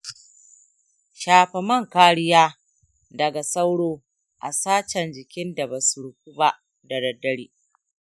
shafa man kariya daga sauro a sachen jikin da ba su rufu ba da daddare.